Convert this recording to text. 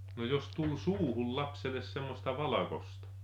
no jos tuli suuhun lapselle semmoista valkoista